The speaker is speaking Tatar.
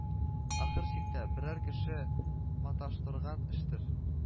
Ахыр чиктә берәр кеше маташтырган эштер